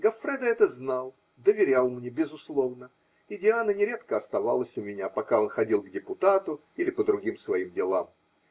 Гоффредо это знал, доверял мне безусловно, и Диана нередко оставалась у меня, пока он ходил к депутату или по другим своим делам.